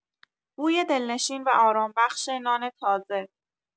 بوی دلنشین و آرام‌بخش نان تازه